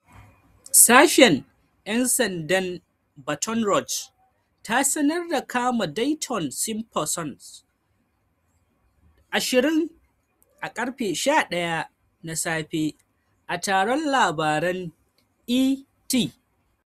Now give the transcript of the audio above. Sashen 'yan sandan Baton Rouge ta sanar da kama Dyteon Simpson, 20, a karfe 11 na safe. a taron labaran ET.